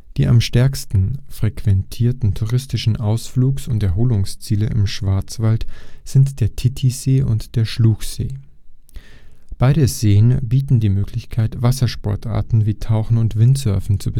Die am stärksten frequentierten touristischen Ausflugs - und Erholungsziele im Schwarzwald sind der Titisee und der Schluchsee. Beide Seen bieten die Möglichkeit, Wassersportarten wie Tauchen und Windsurfen zu